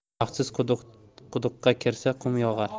baxtsiz quduqqa kirsa qum yog'ar